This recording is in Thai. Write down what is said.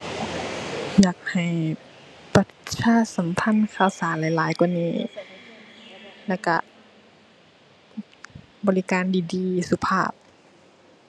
อยากให้ประชาสัมพันธ์ข่าวสารหลายหลายกว่านี้ แล้วก็บริการดีดี สุภาพ